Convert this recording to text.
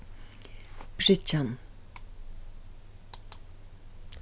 bryggjan